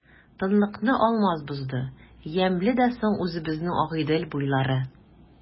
Тынлыкны Алмаз бозды:— Ямьле дә соң үзебезнең Агыйдел буйлары!